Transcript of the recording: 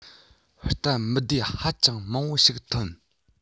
སྟབས མི བདེ ཧ ཅང མང པོ ཞིག ཐོན